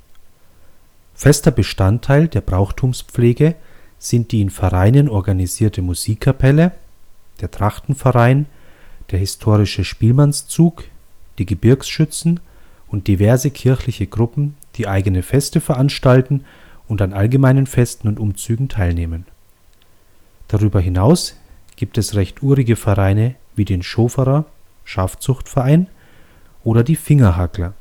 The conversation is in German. Fester Bestandteil der Brauchtumspflege sind die in Vereinen organisierte Musikkapelle, der Trachtenverein, der historische Spielmannszug, die Gebirgsschützen und diverse kirchliche Gruppen, die eigene Feste veranstalten und an allgemeinen Festen und Umzügen teilnehmen. Darüber hinaus gibt es recht urige Vereine wie die „ Schoferer “(Schafzüchterverein) oder die Fingerhakler